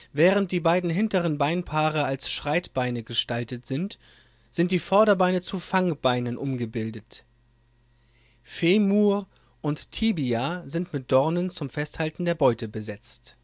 Während die beiden hinteren Beinpaare als Schreitbeine gestaltet sind, sind die Vorderbeine zu Fangbeinen umgebildet. Femur und Tibia sind mit Dornen zum Festhalten der Beute besetzt